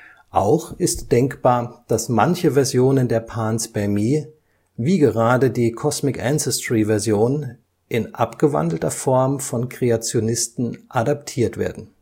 Auch ist denkbar, dass manche Versionen der Panspermie, wie gerade die „ Cosmic-Ancestry “- Version, in abgewandelter Form von Kreationisten adaptiert werden